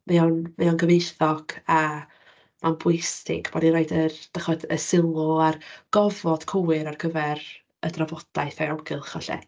Me o'n mae o'n gyfoethog a ma'n bwysig bod ni'n rhoid yr, dach chibod, y sylw a'r gofod cywir ar gyfer y drafodaeth o'i amgylch felly.